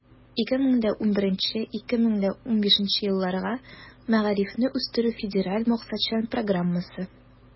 2011 - 2015 елларга мәгарифне үстерү федераль максатчан программасы.